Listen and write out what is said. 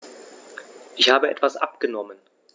Ich habe etwas abgenommen.